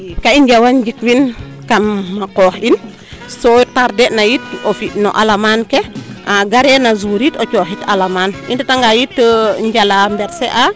ka i njawan njik win kam qoox in so tarde na it o fi no alaman ke gareer na jour yit o cooxit alaman ni ndeta nga yit njala mbese a